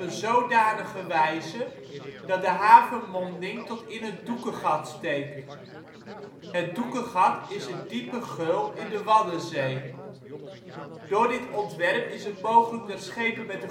zodanige wijze, dat de havenmonding tot in het Doekegat steekt. Het Doekegat is een diepe geul in de Waddenzee. Door dit ontwerp is het mogelijk dat schepen met